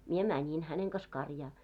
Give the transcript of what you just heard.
minä menin hänen kanssa karjaan